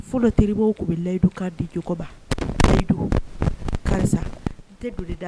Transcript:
Fɔlɔ teri bɛyidu dijbayidu karisa tɛ don da